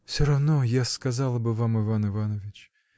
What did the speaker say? — Всё равно: я сказала бы вам, Иван Иванович.